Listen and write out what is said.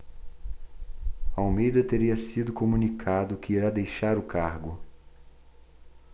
almeida teria sido comunicado que irá deixar o cargo